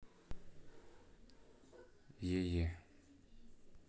е е